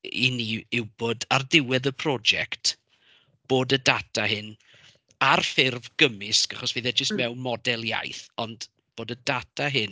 I ni yw bod, ar diwedd y prosiect, bod y data hyn ar ffurf gymysg, achos fydd e jyst mewn... m-hm. ...model iaith, ond bod y data hyn...